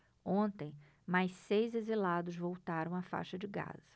ontem mais seis exilados voltaram à faixa de gaza